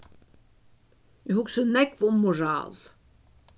eg hugsi nógv um moral